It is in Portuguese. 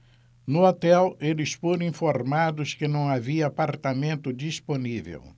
no hotel eles foram informados que não havia apartamento disponível